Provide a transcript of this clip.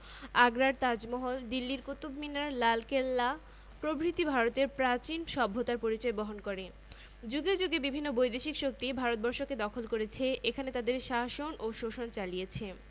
Bangladesh Asia মহাদেশের একটি উন্নয়নশীল দেশ এশিয়া মহাদেশের দেশগুলোর মধ্যে কোনটি বেশ উন্নত আবার কোনো কোনোটি তত উন্নত নয় বাংলাদেশের মতো মধ্যম আয়ের এবং উন্নয়নশীল দেশের পর্যায়ে পড়ে সেগুলো